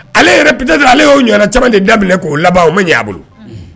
Ale yɛrɛpted ale y'o ɲna camanden da k'o laban o ma bolo